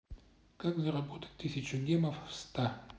как заработать тысячу гемов в ста